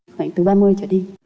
khoảng từ ba mươi trở đi